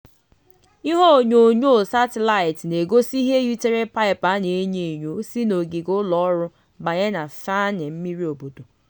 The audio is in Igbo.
Ihe onyonyo satịlaịat na-egosi ihe yitere paịpụ a na-enyo enyo si n'ogige ụlọ ọrụ banye na Feeane, mmiri obodo.